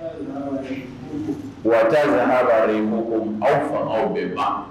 aw fa aw bɛ ban